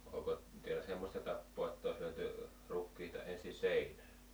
onko täällä semmoista tapaa jotta olisi lyöty rukiita ensin seinään